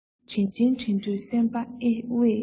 དྲིན ཅན དྲིན དུ བསམས པ ཨེ ཝེས ལགས